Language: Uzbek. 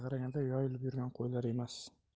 qaraganda yoyilib yurgan qo'ylar emas